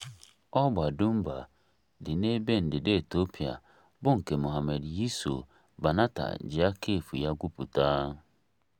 Ọgba Dunbar dị n'ebe ndịda Etiopia bụ nke Mohammed Yiso Banatah ji aka efu ya gwupụta.